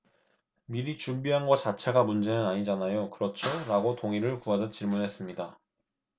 미리 준비한 거 자체가 문제는 아니잖아요 그렇죠 라고 동의를 구하듯 질문했습니다